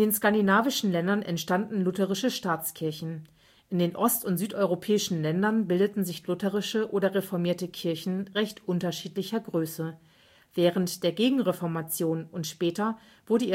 skandinavischen Ländern entstanden lutherische Staatskirchen. In den ost - und südeuropäischen Ländern bildeten sich lutherische oder reformierte Kirchen recht unterschiedlicher Größe. Während der Gegenreformation und später wurde